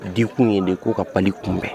Den kun ye de k'u ka bali kunbɛn